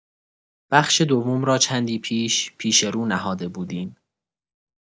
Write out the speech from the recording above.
بخش دوم را چندی پیش، پیش‌رو نهاده بودیم.